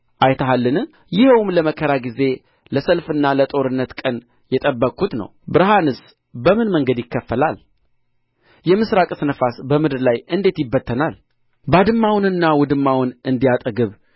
አይተሃልን ይኸውም ለመከራ ጊዜ ለሰልፍና ለጦርነት ቀን የጠበቅሁት ነው ብርሃንስ በምን መንገድ ይከፈላል የምሥራቅስ ነፋስ በምድር ላይ እንዴት ይበተናል ባድማውንና ውድማውን እንዲያጠግብ